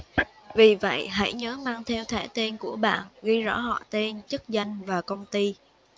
vì vậy hãy nhớ mang theo thẻ tên của bạn ghi rõ họ tên chức danh và công ty